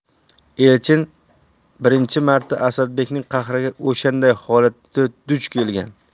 elchin birinchi marta asadbekning qahriga o'shanday holatda duch kelgan